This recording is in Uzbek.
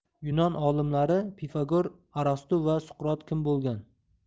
yunon olimlari pifagor arastu va suqrot kim bo'lgan